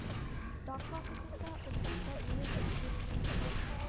Таң вакытында офыкта бу йолдыз күренә